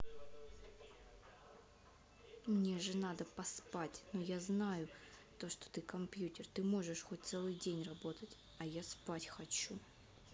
мне же надо поспать но я знаю то что ты компьютер ты можешь хоть целый день работать а я спать хочу